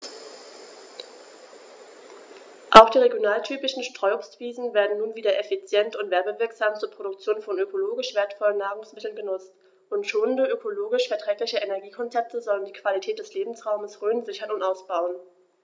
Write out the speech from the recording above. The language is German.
Auch die regionaltypischen Streuobstwiesen werden nun wieder effizient und werbewirksam zur Produktion von ökologisch wertvollen Nahrungsmitteln genutzt, und schonende, ökologisch verträgliche Energiekonzepte sollen die Qualität des Lebensraumes Rhön sichern und ausbauen.